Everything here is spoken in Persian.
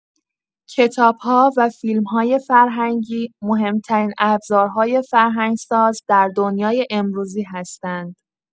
کتاب‌ها و فیلم‌های فرهنگی مهم‌ترین ابزارهای فرهنگ‌ساز در دنیای امروزی هستند.